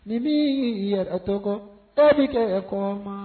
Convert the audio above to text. Ni min y'i yɛrɛ to kɔ e bɛ kɛ kɔ ma